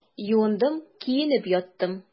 Юындым, киенеп яттым.